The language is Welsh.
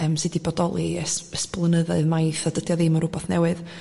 yym sy 'di bodoli e's... e's blynyddoedd maith a dydi o ddim yn rwbath newydd